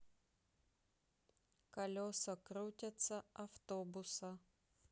колеса крутятся автобуса